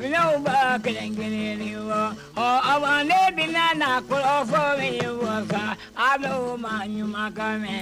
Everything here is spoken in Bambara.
Finɛw b'a kelen'kelennin fɔ ɔ awa ne bina na kɔrɔfɔ min fɔ sa a' n'o maɲumakan mɛ